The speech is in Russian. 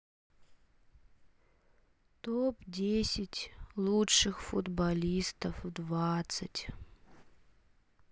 топ десять лучших футболистов в двадцать